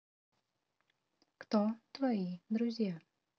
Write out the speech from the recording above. кто твои друзья